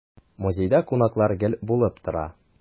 Музейда кунаклар гел булып тора.